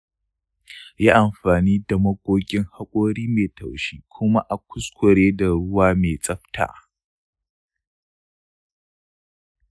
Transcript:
yi amfani da magogin haƙori mai taushi kuma a kuskure da ruwa mai tsafta.